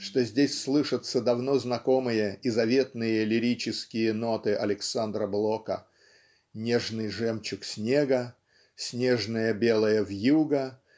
что здесь слышатся давно знакомые и заветные лирические ноты Александра Блока нежный жемчуг снега снежная белая вьюга